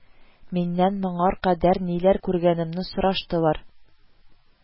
Миннән моңар кадәр ниләр күргәнемне сораштылар